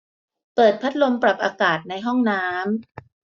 เปิดพัดลมปรับอากาศในห้องน้ำ